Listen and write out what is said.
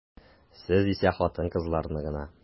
Сез исә хатын-кызларны гына.